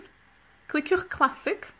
Cliciwch Classic.